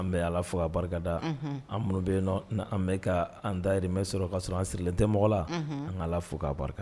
An bɛ ala fo' barika da an minnu bɛ yen an bɛ ka an dayimɛ sɔrɔ ka sɔrɔ an sirilen tɛ mɔgɔ la an ka ala fo k'a barika